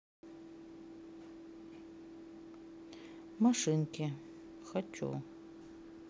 машинки хочу